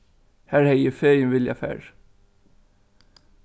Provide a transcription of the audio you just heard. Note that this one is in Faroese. har hevði eg fegin viljað farið